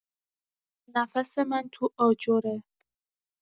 نفس من تو آجره.